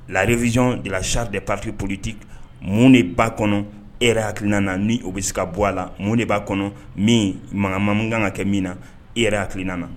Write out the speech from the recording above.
Larezy jirahari de papiti polite mun de baa kɔnɔ e yɛrɛ hakilikinan na ni o bɛ se ka bɔ a la mun de b'a kɔnɔ min mankangamamu kan ka kɛ min na e yɛrɛ hakilil nana na